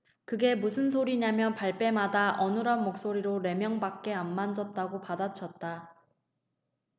그는 무슨 소리냐며 발뺌하다 어눌한 목소리로 네 명밖에 안 만졌다고 받아쳤다